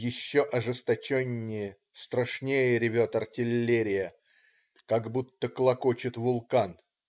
Еще ожесточеннее, страшнее ревет артиллерия. Как будто клокочет вулкан.